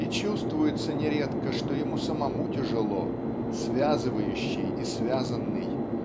И чувствуется нередко, что ему самому тяжело связывающий и связанный